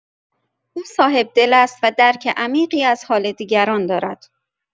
او صاحب‌دل است و درک عمیقی از حال دیگران دارد.